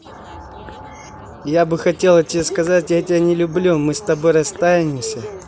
я бы хотела тебе сказать я тебя не люблю мы с тобой расстаемся